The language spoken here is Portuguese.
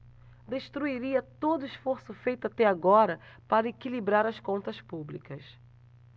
destruiria todo esforço feito até agora para equilibrar as contas públicas